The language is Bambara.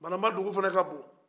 banamba dugu fana ka bon